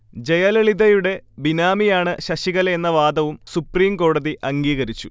ജയലളിതയുടെ ബിനാമിയാണ് ശശികലയെന്ന വാദവും സുപ്രീംകോടതി അംഗീകരിച്ചു